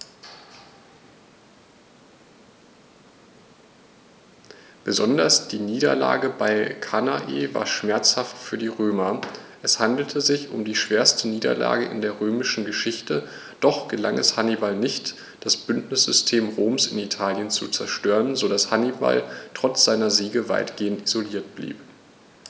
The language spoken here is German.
Besonders die Niederlage bei Cannae war schmerzhaft für die Römer: Es handelte sich um die schwerste Niederlage in der römischen Geschichte, doch gelang es Hannibal nicht, das Bündnissystem Roms in Italien zu zerstören, sodass Hannibal trotz seiner Siege weitgehend isoliert blieb.